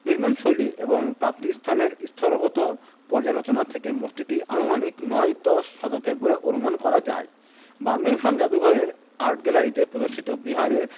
নির্মাণশৈলী এবং প্রাপ্তিস্থানের স্তরগত পর্যালোচনা থেকে মূর্তিটি আনুমানিক নয় দশ শতকের বলে অনুমাণ করা যায় বার্মিংহাম জাদুঘরের আর্টগ্যালারিতে প্রদর্শিত বিহারের